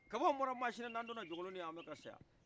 kabini anw bɔra maasina ni anw donna jonkolonin yan anw bɛ ka sa